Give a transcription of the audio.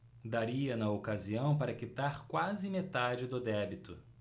daria na ocasião para quitar quase metade do débito